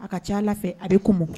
A ka ca lafi fɛ a de ko mɔ